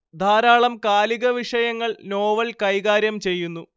ധാരാളം കാലിക വിഷയങ്ങൾ നോവൽ കൈകാര്യം ചെയ്യുന്നു